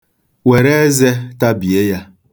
Were eze tabie ya.